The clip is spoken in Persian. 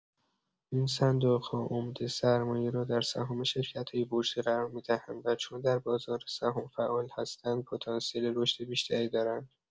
این صندوق‌ها عمده سرمایه را در سهام شرکت‌های بورسی قرار می‌دهند و چون در بازار سهام فعال هستند، پتانسیل رشد بیشتری دارند.